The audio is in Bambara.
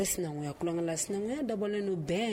Ye sinankunyalɔn la sinankunya dabɔnen' bɛn